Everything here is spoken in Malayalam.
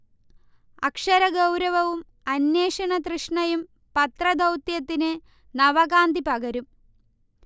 അക്ഷരഗൗരവവും അന്വേഷണ തൃഷ്ണയും പത്ര ദൗത്യത്തിന് നവകാന്തി പകരും